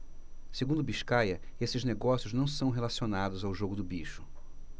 segundo biscaia esses negócios não são relacionados ao jogo do bicho